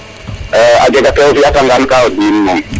a jega ka o fiya ta ngan ka di'in moom